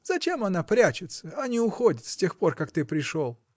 Зачем она прячется, а не уходит, с тех пор как ты пришел?